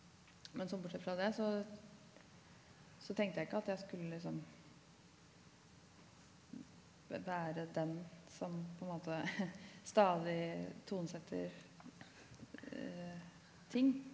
men sånn bortsett fra det så så tenkte jeg ikke at jeg skulle liksom være den som på en måte stadig tonesetter ting.